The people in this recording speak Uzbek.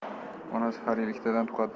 onasi har yili ikkitadan tug'adi